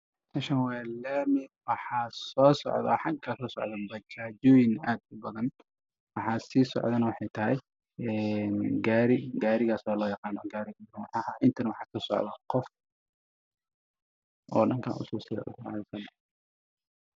Waa meel waddo waxaa soo socda bajaaj midabkeedu yahay gaalo waxaa marayo geeska nin